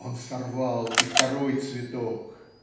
Он сорвал и второй цветок.